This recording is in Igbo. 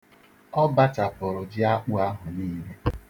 Ọ bachapuru jiakpụ ahụ niile.